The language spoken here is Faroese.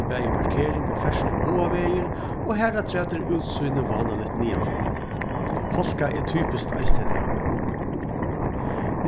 til bæði parkering og ferðslu báðar vegir og harafturat er útsýnið vánaligt niðanfyri hálka er typiskt eisini ein avbjóðing